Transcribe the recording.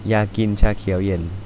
อยากกินชาเขียวเย็น